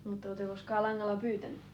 oletteko te koskaan langalla pyytänyt